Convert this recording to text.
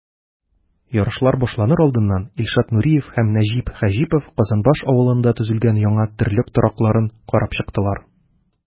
Ярышлар башланыр алдыннан Илшат Нуриев һәм Нәҗип Хаҗипов Казанбаш авылында төзелгән яңа терлек торакларын карап чыктылар.